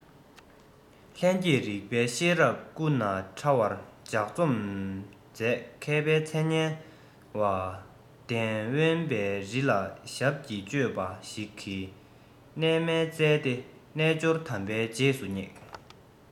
ལྷན སྐྱེས རིགས པའི ཤེས རབ སྐུ ན ཕྲ བར ལྗགས རྩོམ མཛད མཁས པའི མཚན སྙན བ དན དབེན པའི རི ལ ཞབས ཀྱིས ཆོས པ ཞིག གི གནས མལ བཙལ ཏེ རྣལ འབྱོར དམ པའི རྗེས སུ བསྙེགས